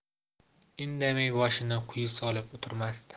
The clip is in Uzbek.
indamay boshini quyi solib o'tirmasdi